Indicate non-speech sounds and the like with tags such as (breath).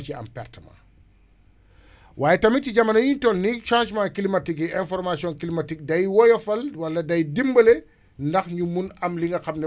waaye tamit ci jamono yiñ toll nii changement climatique yi information climatique day woyofal wala day dimbale ndax ñu mun am li nga xam ne moom mooy gis-gis bu gën a leer (breath)